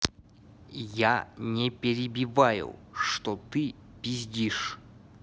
я не перебиваю что ты пиздишь